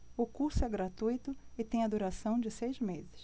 o curso é gratuito e tem a duração de seis meses